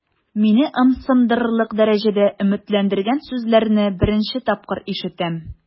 Мине ымсындырырлык дәрәҗәдә өметләндергән сүзләрне беренче тапкыр ишетәм.